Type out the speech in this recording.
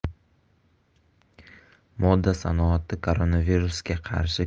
moda sanoati koronavirusga qarshi